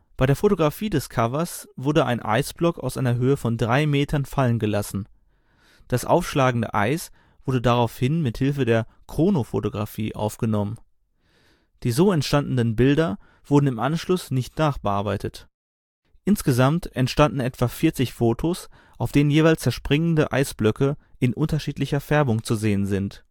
Bei der Fotografie des Covers wurde ein Eisblock aus einer Höhe von drei Metern fallen gelassen. Das aufschlagende Eis wurde daraufhin mithilfe der Chronofotografie aufgenommen. Die so entstandenen Bilder wurden im Anschluss nicht nachbearbeitet. Insgesamt entstanden etwa 40 Fotos, auf denen jeweils zerspringende Eisblöcke in unterschiedlicher Färbung zu sehen sind